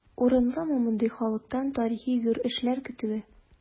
Урынлымы мондый халыктан тарихи зур эшләр көтүе?